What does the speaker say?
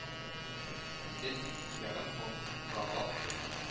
Идел, тик күкрәген калтыккалап, тын